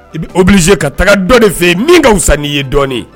I b bɛ obiliz ka taga dɔ de fɛ yen min ka san n'i ye dɔɔninɔni